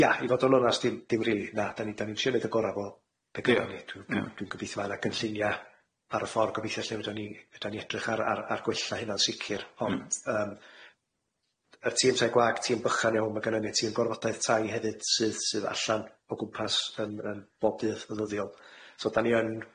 Ia i fod o'n onast dim dim rili na 'dan ni 'dan ni'n trio neud y gora 'fo be gynno ni dwi'n dwi'n gobeithio ma' 'na gynllunia ar y ffor gobeithio lle fedran ni 'dran ni edrych ar ar ar gwella hynna'n sicir ond yym y tîm tai gwag tîm bychan iawn ma' gynno ni tîm Gorfodaeth Tai hefyd sydd sydd allan o gwmpas yn yn bob dydd ddyddiol so dan ni yn